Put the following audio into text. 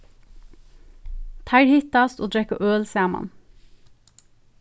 teir hittast og drekka øl saman